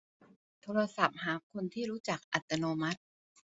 โทรศัพท์หาคนที่รู้จักอัตโนมัติ